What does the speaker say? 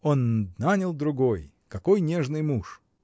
— Он нанял другой: какой нежный муж!